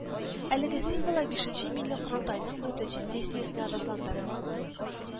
Әлеге символлар бишенче милли Корылтайның дүртенче сессиясендә расланды